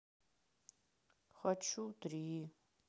хочу три